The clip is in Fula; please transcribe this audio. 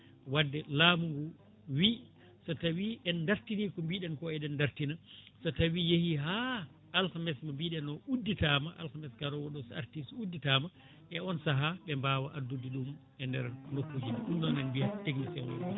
wadde laamu ngu wi so tawi en dartini ko mbiɗen ko eɗen dartina so tawi yeehi ha alkamisa mo mbiɗen o udditama alkamisa garowo ɗo o so arti so udditama e on saaha ɓe mbawa addude ɗum e nder nokkuji he ɗum noon en mbiyat techicien